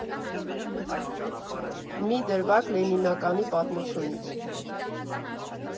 Մի դրվագ Լենինականի պատմությունից։